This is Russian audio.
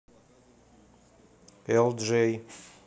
элджей